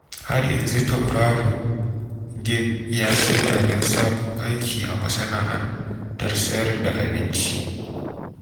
Har yanzu tauraro Game ya shirya don sabon aiki a masana’antar sayar da abinci